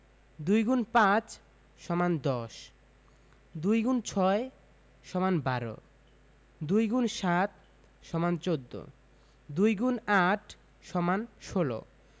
২ X ৫ = ১০ ২ X ৬ = ১২ ২ X ৭ = ১৪ ২ X ৮ = ১৬